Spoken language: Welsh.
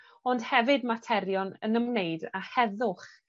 Ond hefyd materion yn ymwneud a heddwch.